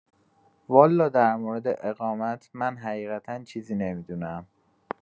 والا در مورد اقامت من حقیقتا چیزی نمی‌دونم